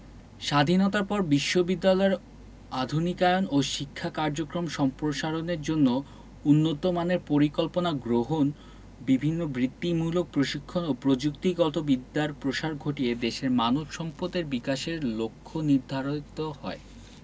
স্বাধীনতার পর বিশ্ববিদ্যালয়ের আধুনিকায়ন ও শিক্ষা কার্যক্রম সম্প্রসারণের জন্য উন্নতমানের পরিকল্পনা গ্রহণ বিভিন্ন বৃত্তিমূলক প্রশিক্ষণ ও প্রযুক্তিগত বিদ্যার প্রসার ঘটিয়ে দেশের মানব সম্পদের বিকাশের লক্ষ্য নির্ধারিত হয়